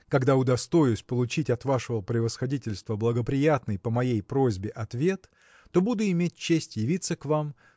Когда удостоюсь получить от вашего превосходительства благоприятный по моей просьбе ответ то буду иметь честь явиться к вам